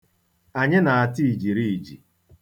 Anyị na-ata ijiriji.